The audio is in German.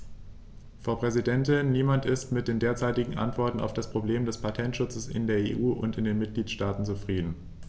Frau Präsidentin, niemand ist mit den derzeitigen Antworten auf das Problem des Patentschutzes in der EU und in den Mitgliedstaaten zufrieden.